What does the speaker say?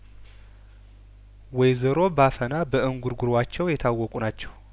ወይዘሮ ባፈና በእንጉርጉሯቸው የታወቁ ናቸው